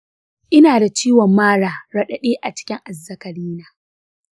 ina da ciwo mara raɗaɗi a jikin azzakarina.